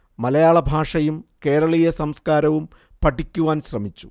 മലയാള ഭാഷയും കേരളീയ സംസ്കാരവും പഠിക്കുവാൻ ശ്രമിച്ചു